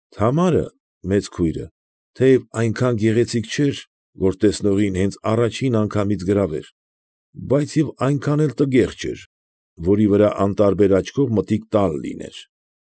Թամարը ֊ մեծ քույրը ֊ թեև այնքան գեղեցիկ չէր, որ տեսնողին հենց առաջին անգամից գրավեր, բայց և այնքան էլ տգեղ չէր, որի վրա անտարբեր աչքով մտիկ տալ լիներ։